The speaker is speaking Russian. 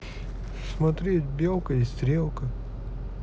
смотреть белка и стрелка